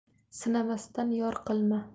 sinamasdan yor qilma